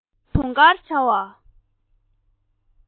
ཞི མི དུང དཀར བྱ བ